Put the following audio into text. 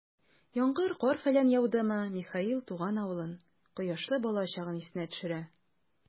Яңгыр, кар-фәлән яудымы, Михаил туган авылын, кояшлы балачагын исенә төшерә.